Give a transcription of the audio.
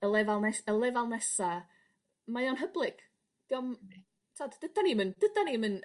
Y lefal nes- y lefal nesa mae o'n hyblyg 'di o'm t'od dydan ni'm yn dydan ni'm yn